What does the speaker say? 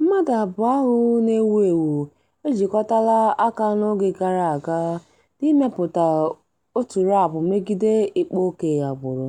Mmadụ abụọ ahụ na-ewu ewu ejikọtala aka n'oge gara aga n'imepụta otu raapụ megide ịkpa ókè agbụrụ,